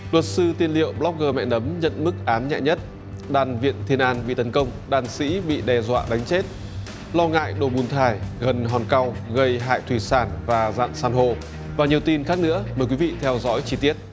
luật sư tư liệu bờ lóc gơ mẹ nấm nhận mức án nhẹ nhất đan viện thiên an bị tấn công đàn sĩ bị đe dọa đánh chết lo ngại đổ bùn thải gần hòn cau gây hại thủy sản và rặng san hô và nhiều tin khác nữa mời quý vị theo dõi chi tiết